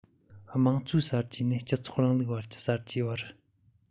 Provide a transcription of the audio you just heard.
དམངས གཙོའི གསར བརྗེ ནས སྤྱི ཚོགས རིང ལུགས ཀྱི གསར བརྗེ བར